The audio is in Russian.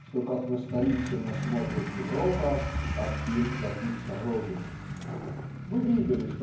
что как на Сторицына смотрит Европа так им гордится родина. Мы видели